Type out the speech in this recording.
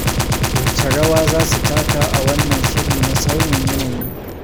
Wacce rawa za su taka a wannan shiri na sauyin yanayi?